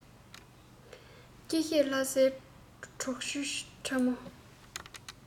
སྐྱིད ཤོད ལྷ སའི གྲོག ཆུ ཕྲ མོ